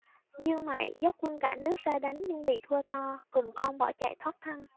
dương mại dốc quân cả nước ra đánh nhưng bị thua to cùng con bỏ chạy thoát thân